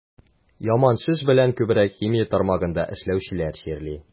Яман шеш белән күбрәк химия тармагында эшләүчеләр чирли.